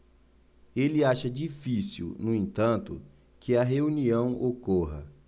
ele acha difícil no entanto que a reunião ocorra